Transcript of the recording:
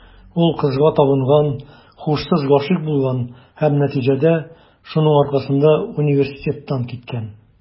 Ул кызга табынган, һушсыз гашыйк булган һәм, нәтиҗәдә, шуның аркасында университеттан киткән.